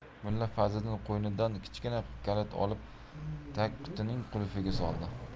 mulla fazliddin qo'ynidan kichkina kalit olib tagqutining qulfiga soldi